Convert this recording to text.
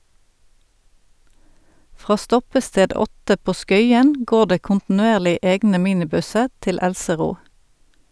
Fra stoppested 8 på Skøyen går det kontinuerlig egne minibusser til Elsero.